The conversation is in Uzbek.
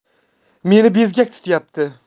meni bezgak tutayapti